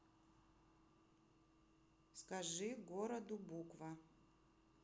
скажи городу буква